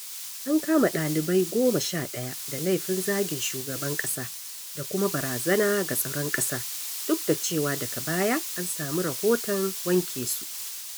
An kama ɗalibai goma sha ɗaya da laifin "zagin shugaban ƙasa" da kuma "barazana ga tsaron ƙasa" duk da cewa daga baya an sami rahoton wanke su.